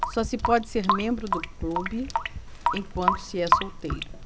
só se pode ser membro do clube enquanto se é solteiro